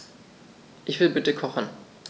Ich will bitte kochen.